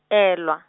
elwa.